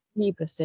Rhy brysur.